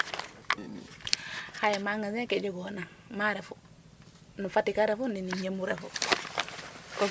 xaye magasin ke jegoona ma refu no Fatick a refu ndi ni njemu refu?